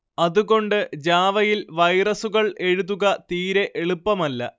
അതുകൊണ്ട് ജാവയിൽ വൈറസുകൾ എഴുതുക തീരെ എളുപ്പമല്ല